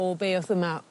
o be oth yma